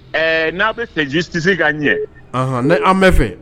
Ɛɛ n'a bɛ cɛ ji tɛ se ka ɲɛ ne an bɛ fɛ